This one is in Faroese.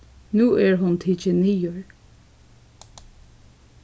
nú er hon tikin niður